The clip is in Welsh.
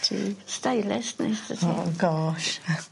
'Di stylish neis 'dy ti. O.